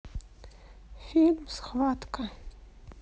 фильм схватка